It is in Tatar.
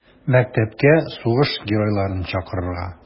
Мәктәпкә сугыш геройларын чакырырга.